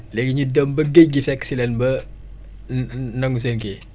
léegi ñu dem ba géej gi fekk si leen ba nangu seen kii